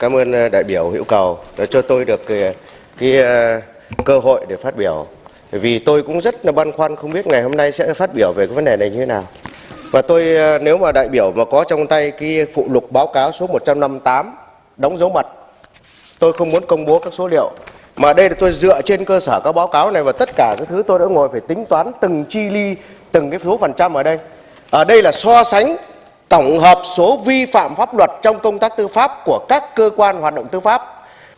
cám ơn ơ đại biểu hữu cầu đã cho tôi được cái cái một cơ hội để phát biểu vì tôi cũng rất là băn khoăn không biết ngày hôm nay sẽ phát biểu về cái vấn đề này như thế nào và tôi nếu mà đại biểu và có trong tay kia phụ lục báo cáo số một trăm năm tám đóng dấu mật tôi không muốn công bố các số liệu mà đây là tôi dựa trên cơ sở các báo cáo này và tất cả các thứ tôi đã ngồi phải tính toán từng chi li từng cái số phần trăm ở đây ở đây là so sánh tổng hợp số vi phạm pháp luật trong công tác tư pháp của các cơ quan hoạt động tư pháp